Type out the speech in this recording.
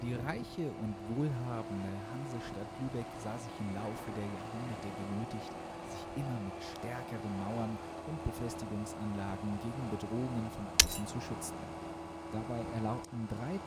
reiche und wohlhabende Hansestadt Lübeck sah sich im Laufe der Jahrhunderte genötigt, sich mit immer stärkeren Mauern und Befestigungsanlagen gegen Bedrohungen von außen zu schützen. Dabei erlaubten drei